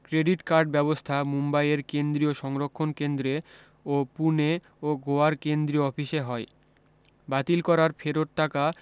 credit card ব্যবস্থা মুম্বাই এর কেন্দ্রীয় সংরক্ষণ কেন্দ্রে ও পুনে ও গোয়ার কেন্দ্রীয় অফিসে হয় বাতিল করার ফেরত টাকা